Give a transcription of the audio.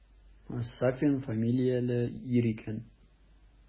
Сафин фамилияле ир икән.